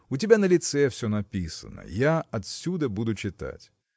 У тебя на лице все написано, я отсюда буду читать.